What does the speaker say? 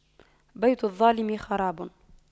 بيت الظالم خراب